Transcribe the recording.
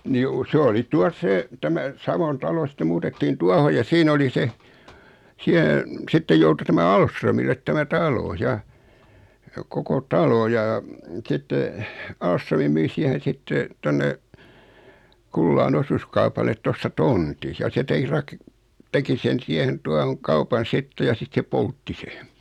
niin - se oli tuossa se tämä Savon talo sitten muutettiin tuohon ja siinä oli se siellä sitten joutui tämä Ahlströmille tämä talo ja koko talo ja sitten Ahlström myi siihen sitten tuonne Kullaan osuuskaupalle tuosta tontin ja se - teki sen siihen tuohon kaupan sitten ja sitten se poltti sen